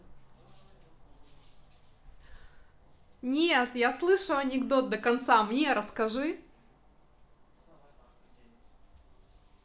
нет я слышу анекдот до конца мне расскажи